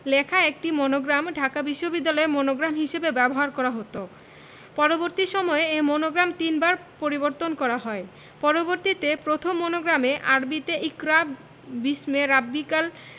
লেখা একটি মনোগ্রাম ঢাকা বিশ্ববিদ্যালয়ের মনোগ্রাম হিসেবে ব্যবহার করা হতো পরবর্তী সময়ে এ মনোগ্রাম তিনবার পরিবর্তন করা হয় পরিবর্তিত প্রথম মনোগ্রামে আরবিতে ইকরা বিস্মে রাবিবকাল